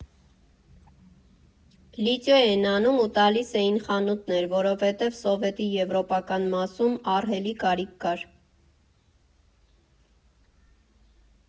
Լիծյո էին անում ու տալիս էին խանութներ, որովհետև Սովետի եվրոպական մասում ահռելի կարիք կար։